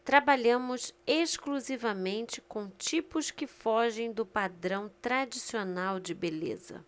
trabalhamos exclusivamente com tipos que fogem do padrão tradicional de beleza